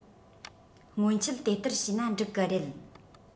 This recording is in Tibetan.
སྔོན ཆད དེ ལྟར བྱས ན འགྲིག གི རེད